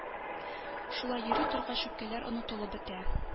Шулай йөри торгач үпкәләр онытылып бетә.